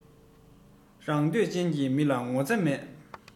རང འདོད ཅན གྱི མི ལ ངོ ཚ མེད